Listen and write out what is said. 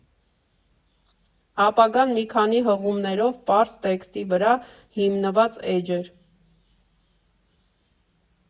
Ապագան մի քանի հղումներով, պարզ տեքստի վրա հիմնված էջ էր։